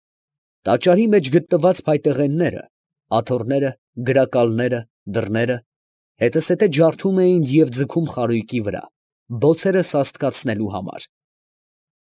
Տաճարի մեջ գտնված փայտեղենները ֊ աթոռները, գրակալները, դռները ֊ հետզհետե ջարդում էին և ձգում խարույկի վրա, բոցերը սաստկացնելու համար։